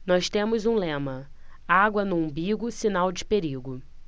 nós temos um lema água no umbigo sinal de perigo